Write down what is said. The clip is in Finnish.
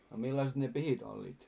no millaiset ne pihdit olivat